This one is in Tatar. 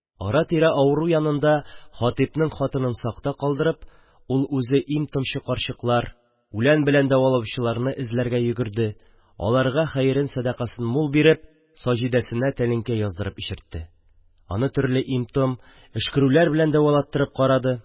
Ара-тирә авыру янында Хатипның хатынын сакта калдырып, ул үзе им-томчы карчыклар, үлән белән давалаучыларны эзләргә йөгерде, аларга хәерен-садакасын мул биреп, Саҗидәсенә тәлинкә яздырып эчертте, аны төрле им-том, өшкерүләр белән давалатып карады